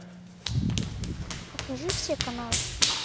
покажи все каналы